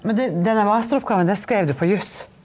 men den der masteroppgaven, den skreiv du på juss?